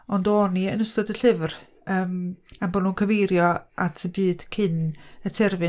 Ond o'n i, yn ystod y llyfr, yym, am bo' nhw'n cyfeirio at y byd cyn y terfyn...